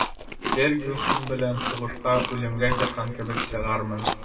«фергюсон белән сугышка үлемгә чыккан кебек чыгармын»